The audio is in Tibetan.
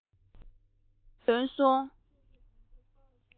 ངང གིས གོ བ ལོན སོང